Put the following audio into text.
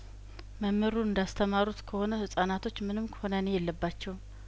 መምሩ እንዳስተማሩት ከሆነ ህጻናቶች ምንም ኩነኔ የለባቸውም